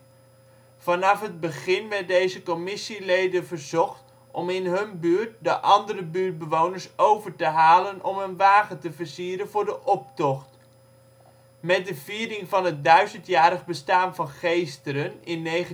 Vanaf het begin werd deze commissieleden verzocht om in hun buurt de andere buurtbewoners over te halen om een wagen te versieren voor de optocht. Met de viering van het duizend-jarig bestaan van Geesteren in 1988